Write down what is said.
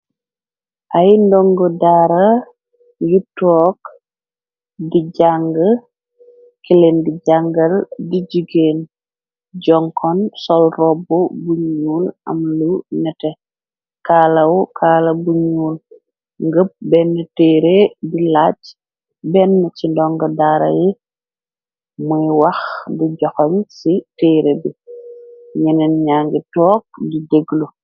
Ay ndong daara yu took di jàng keleen di jàngal di jigéen jonkon sol robb bu ñuul am lu nete kaala buñuul ngëb benn téere bi laaj benn ci ndong daara yi moy wax di joxañ ci téeré bi ñeneen ñjangi took gi jéglu.